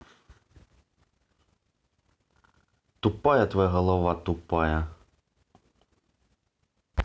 тупая твоя голова тупая